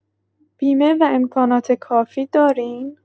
بیمه و امکانات کافی دارین؟